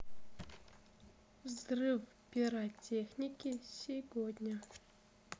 взрыв пиротехники сегодня